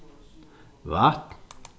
vatn